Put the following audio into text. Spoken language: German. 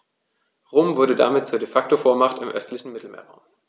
Rom wurde damit zur ‚De-Facto-Vormacht‘ im östlichen Mittelmeerraum.